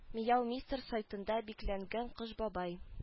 Мияумистер сайтында бикләнгән кыш бабай